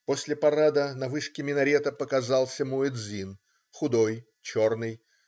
После парада на вышке минарета показался муэдзин, худой, черный.